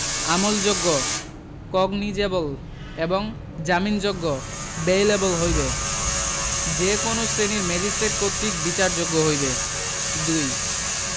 আমলযোগ্য cognizable এবং জামিনযোগ্য bailable হইবে খ যে কোন শ্রেণীর ম্যাজিস্ট্রেট কর্তৃক বিচারযোগ্য হইবে ২